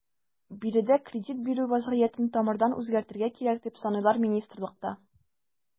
Биредә кредит бирү вәзгыятен тамырдан үзгәртергә кирәк, дип саныйлар министрлыкта.